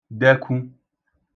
dẹkwu